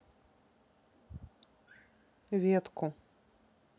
ветку